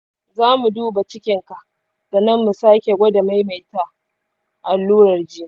za mu duba cikin ka, sannan mu sake maimaita gwajin jini.